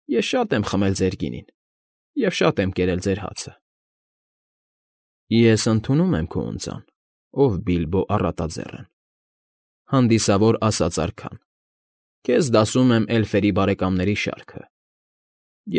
Ես շատ եմ խմել ձեր գինին և շատ եմ կերել ձեր հացը։ ֊ Ես ընդունում եմ քո ընծան, ով Բիլբո Առատաձեռն,֊ հանդիսավոր ասաց արքան։֊ Քեզ դասում եմ էլֆերի բարեկամների շարքը և։